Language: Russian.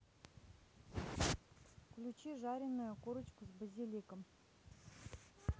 включи жареную курочку с базиликом